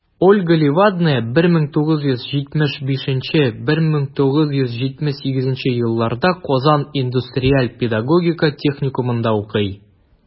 Ольга Левадная 1975-1978 елларда Казан индустриаль-педагогика техникумында укый.